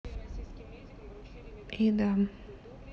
и да